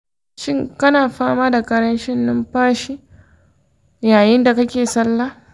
shin kana fama da ƙarancin numfashi yayin da kake sallah?